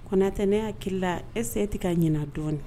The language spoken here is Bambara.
Kɔntɛ ne y'a hakili la es tɛ ka ɲin dɔɔninɔni